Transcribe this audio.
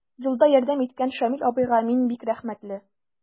Юлда ярдәм иткән Шамил абыйга мин бик рәхмәтле.